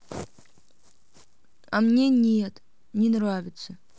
а мне нет не нравится